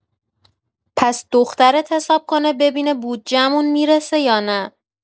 پس دخترت حساب کنه ببینه بودجه‌مون می‌رسه یا نه.